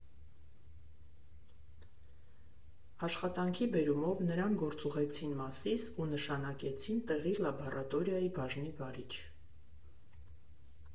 Աշխատանքի բերումով նրան գործուղեցին Մասիս ու նշանակեցին տեղի լաբորատորիայի բաժնի վարիչ։